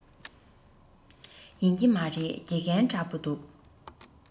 ཡིན གྱི མ རེད དགེ རྒན འདྲ པོ འདུག